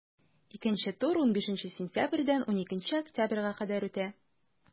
Икенче тур 15 сентябрьдән 12 октябрьгә кадәр үтә.